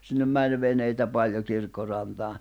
ja sinne meni veneitä paljon kirkkorantaan